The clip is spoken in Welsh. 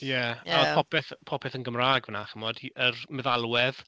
Ie. Ie. A oedd popeth... popeth yn Gymraeg fan'na chimod? Hy- yr meddalwedd.